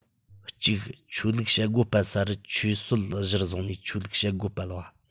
གཅིག ཆོས ལུགས བྱེད སྒོ སྤེལ ས རུ ཆོས སྲོལ གཞིར བཟུང ནས ཆོས ལུགས བྱེད སྒོ སྤེལ བ